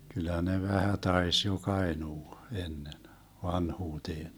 kyllä ne vähän taisi joka ainoa ennen vanhuuteen